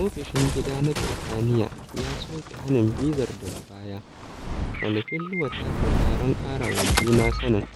Ofishin Gida na Birtaniya ya soke hanin bizar daga baya. Olofinlua ta je taron ƙarawa juna sanin